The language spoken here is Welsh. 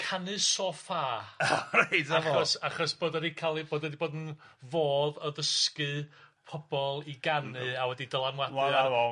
canu so' ffa. Reit 'na fo. Achos achos bod o 'di ca'l 'i bod o 'di bod 'n fodd o ddysgu pobl i ganu a wedi dylanwadu ar .